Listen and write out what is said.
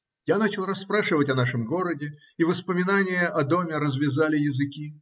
Я начал расспрашивать о нашем городе, и воспоминания о доме развязали языки.